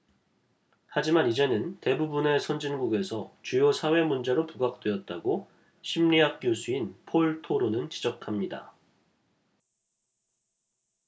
하지만 이제는 대부분의 선진국에서 주요 사회 문제로 부각되었다고 심리학 교수인 폴 토로는 지적합니다